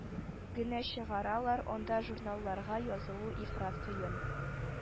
Генә чыгаралар, анда журналларга язылу ифрат кыен